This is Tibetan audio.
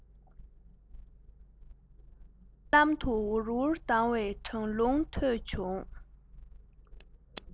རྨི ལམ དུ འུར འུར ལྡང བའི གྲང རླུང ཐོས བྱུང